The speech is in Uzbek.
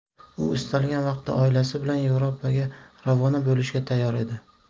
u istalgan vaqtda oilasi bilan yevropaga ravona bo'lishga tayyor edi